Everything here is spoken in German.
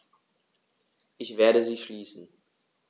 Ich werde sie schließen.